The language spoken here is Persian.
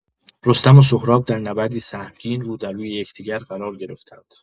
رستم و سهراب درنبردی سهمگین رو در روی یکدیگر قرار گرفتند.